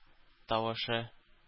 Тавышы